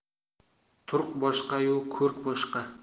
turq boshqa yu ko'rk boshqa